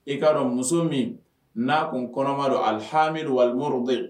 I'a dɔn muso min n'a tun kɔnɔma don alihamududu aliuru bɛ